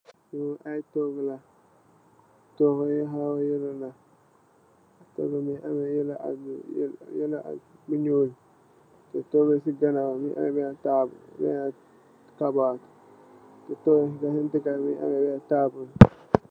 Li togula tugo bi munge ame lu nyul si ganaw munge ame tabul